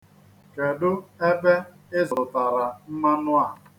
Kedu ebe ị zụtara mmanụ a?